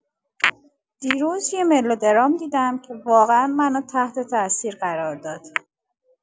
دیروز یه ملودرام دیدم که واقعا منو تحت‌تاثیر قرار داد.